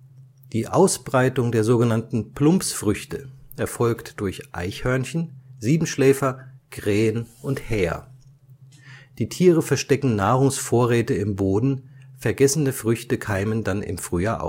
Die Ausbreitung der „ Plumpsfrüchte “erfolgt durch Eichhörnchen, Siebenschläfer, Krähen und Häher. Die Tiere verstecken Nahrungsvorräte im Boden, vergessene Früchte keimen dann im Frühjahr